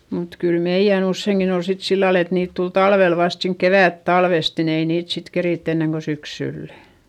mutta kyllä meidän useinkin oli sitten sillä lailla että niitä tuli talvella vasta siinä kevättalvesta niin ei niitä sitten keritty ennen kuin syksyllä